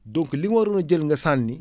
donc li waroon a jël nga sànni